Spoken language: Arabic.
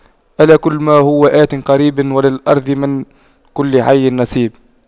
ألا كل ما هو آت قريب وللأرض من كل حي نصيب